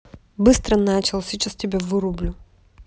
быстро начал сейчас тебя вырублю